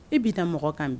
E bɛ mɔgɔ kan bi